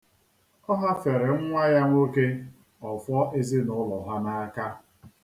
Ọ hafere nwa ya nwoke ọfọ ezinaụlọ ha n'aka.